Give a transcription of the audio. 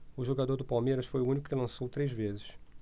o jogador do palmeiras foi o único que lançou três vezes